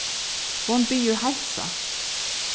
hon biður heilsa